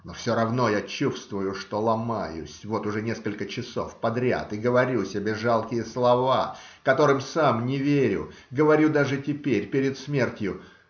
Но все равно, я чувствую, что ломаюсь вот уже несколько часов подряд и говорю себе жалкие слова, которым сам не верю, говорю даже теперь, перед смертью.